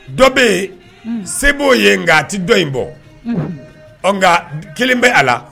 Dɔ bɛ yen se b'o yen nka a tɛ dɔ in bɔga kelen bɛ a la